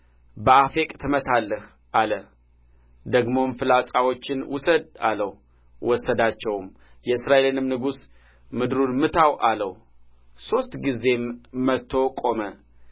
በአፌቅ ትመታለህ አለ ደግሞም ፍላጻዎቹን ውሰድ አለው ወሰዳቸውም የእስራኤልንም ንጉሥ ምድሩን ምታው አለው ሦስት ጊዜም መትቶ ቆመ